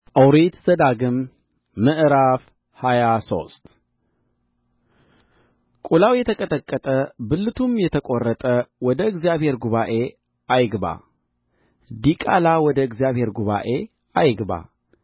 ኦሪት ዘዳግም ምዕራፍ ሃያ ሶስት ቍላው የተቀጠቀጠ ብልቱም የተቈረጠ ወደ እግዚአብሔር ጉባኤ አይግባ ዲቃላ ወደ እግዚአብሔር ጉባኤ አይግባ